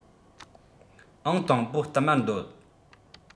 ཨང དང པོ བསྟུད མར འདོད